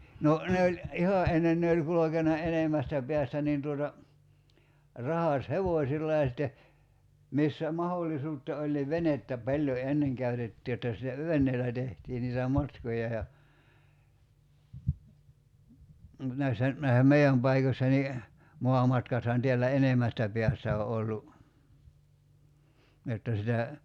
no ne oli ihan ennen ne oli kulkenut enemmästä päästä niin tuota ratsashevosilla ja sitten missä mahdollisuutta oli niin venettä paljon ennen käytettiin jotta sitä veneellä tehtiin niitä matkoja ja näissä näissä meidän paikossa niin maamatkathan täällä enemmästä päästä on ollut jotta sitä